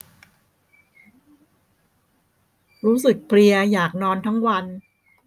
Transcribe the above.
รู้สึกเพลียอยากนอนทั้งวัน